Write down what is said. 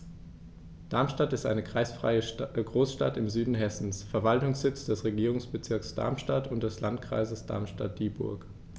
Darmstadt ist eine kreisfreie Großstadt im Süden Hessens, Verwaltungssitz des Regierungsbezirks Darmstadt und des Landkreises Darmstadt-Dieburg.